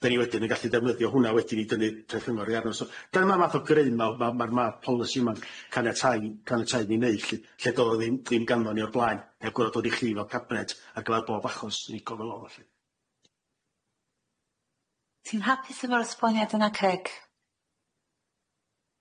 Dayn ni wedyn yn gallu defnyddio hwnna wedyn i dynnu trethynor i arno so gan y math o gryn ma' o ma' ma'r ma'r polisi yma'n caniatáu caniatáu ni'n neu' lly lle do'dd o ddim ddim ganddo ni o'r blaen heb gwel' o dod i chdi fel cabinet ar gyfar bob achos ni cofio lawr felly. Ti'n hapus efo'r esboniad yna Creg?